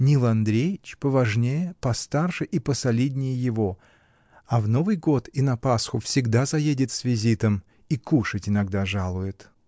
— Нил Андреич поважнее, постарше и посолиднее его, а в Новый год и на Пасху всегда заедет с визитом, и кушать иногда жалует!